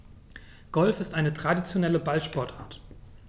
Golf ist eine traditionelle Ballsportart.